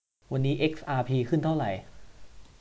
วันนี้เอ็กอาร์พีขึ้นเท่าไหร่